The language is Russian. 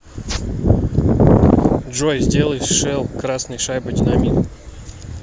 джой сделай шел красный шайба динамит